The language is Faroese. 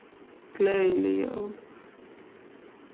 gleðilig jól